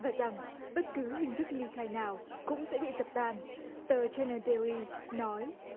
và rằng bất cứ hình thức ly khai nào cũng sẽ bị dập tan tờ chi nờ đơ li nói